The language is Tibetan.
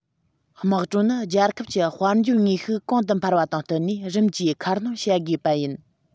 དམག གྲོན ནི རྒྱལ ཁབ ཀྱི དཔལ འབྱོར དངོས ཤུགས གོང དུ འཕེལ བ དང བསྟུན ནས རིམ གྱིས ཁ སྣོན བྱ དགོས པ ཡིན